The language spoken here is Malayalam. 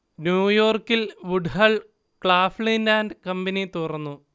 ന്യൂയോർക്കിൽ വുഡ്ഹൾ, ക്ലാഫ്ലിൻ ആൻഡ് കമ്പനി തുറന്നു